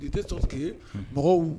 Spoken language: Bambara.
I tɛ sɔrɔ ke mɔgɔw